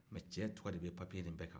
mɛ cɛ tɔgɔ de bɛ papiye in bɛɛ kan